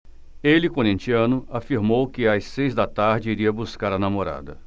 ele corintiano afirmou que às seis da tarde iria buscar a namorada